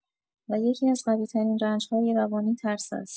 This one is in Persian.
و یکی‌از قوی‌ترین رنج‌های روانی ترس است.